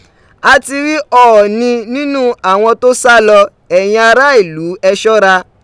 A ti rí Ọọ̀nì nínú àwọn tó sálọ, ẹ̀yin ará ìlú, ẹ ṣọ́ra